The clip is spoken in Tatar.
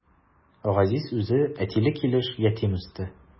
Газиз үзе әтиле килеш ятим үсте.